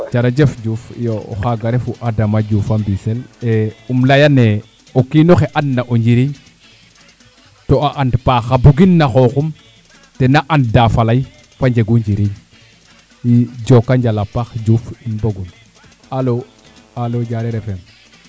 jerejef Diouf iyo o xaaga refu Adama Diouf a Mbisene im leyane o kiino xe an na o njiriñ to o an paax a bugin na xooxum tena anda faley fa njegu njiriñ jokonjal a paax Diouf in mbogun Alo Alo Diarer FM